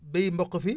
bay mboq fii